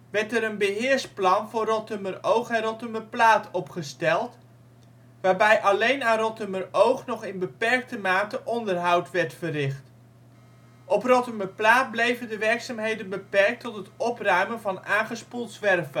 werd er een beheersplan voor Rottumeroog en Rottumerplaat opgesteld, waarbij alleen aan Rottumeroog nog in beperkte mate onderhoud werd verricht. Op Rottumerplaat bleven de werkzaamheden beperkt tot het opruimen van aangespoeld zwerfvuil